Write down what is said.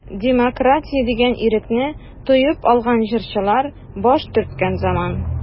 Демократия дигән ирекне тоеп алган җырчылар баш төрткән заман.